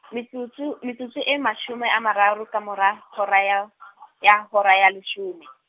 metsotso, metsotso e mashome a mararo ka mora hora ya o-, ya hora ya leshome.